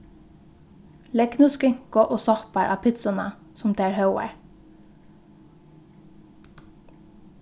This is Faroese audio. legg nú skinku og soppar á pitsuna sum tær hóvar